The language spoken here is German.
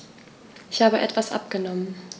Ich habe etwas abgenommen.